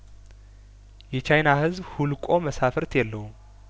የቻይና ህዝብ ሁልቆ መሳፍርት የለውም